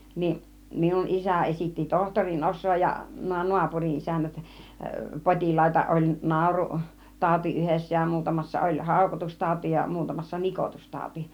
niin minun isä esitti tohtorin osaa ja nuo naapurin isännät potilaita oli - naurutauti yhdessä ja muutamassa oli haukotustauti ja muutamassa nikotustauti